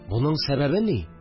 Буның сәбәбе ни